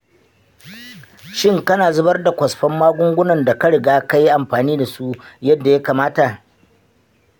shin kana zubar da kwasfan magungunan da ka riga ka yi amfani da su yadda ya kamata?